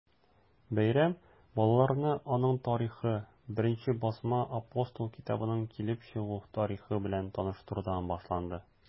Бәйрәм балаларны аның тарихы, беренче басма “Апостол” китабының килеп чыгу тарихы белән таныштырудан башланды.